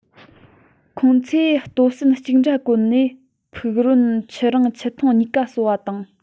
ཁོང ཚོས ལྟོ ཟན གཅིག འདྲ བཀོལ ནས ཕུག རོན མཆུ རིང མཆུ ཐུང གཉིས ཀ གསོ བ དང